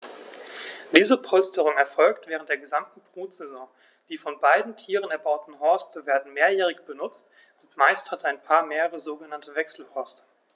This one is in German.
Diese Polsterung erfolgt während der gesamten Brutsaison. Die von beiden Tieren erbauten Horste werden mehrjährig benutzt, und meist hat ein Paar mehrere sogenannte Wechselhorste.